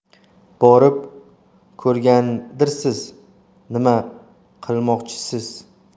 borib ko'rgandirsiz nima qilmoqchisiz